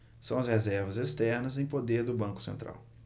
são as reservas externas em poder do banco central